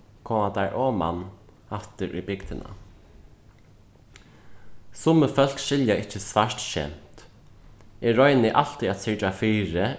koma teir oman aftur í bygdina summi fólk skilja ikki svart skemt eg royni altíð at syrgja fyri